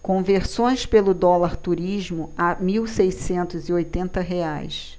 conversões pelo dólar turismo a mil seiscentos e oitenta reais